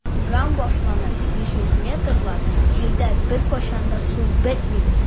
Урам башланып 500 метрлап җирдә беркайчан да су бетми.